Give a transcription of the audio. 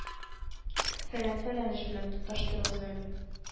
Фәлән фәләнич белән тоташтырыгыз әле